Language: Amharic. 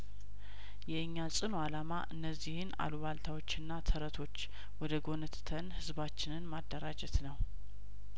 የእኛ ጽኑ አላማ እነዚህን አሉባልታዎችና ተረቶች ወደ ጐንትተን ህዝባችንን ማደራጀት ነው